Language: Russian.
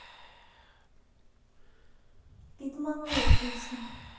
пидманула песня